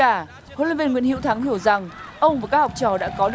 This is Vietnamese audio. cả huấn luyện viên nguyễn hữu thắng hiểu rằng ông và các học trò đã có